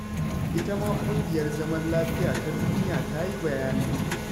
Ita ma ƙungiyar Zaman Lafiya ta Duniya ta yi bayani: